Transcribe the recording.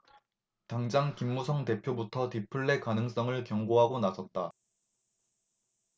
당장 김무성 대표부터 디플레 가능성을 경고하고 나섰다